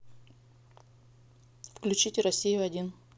включите россию один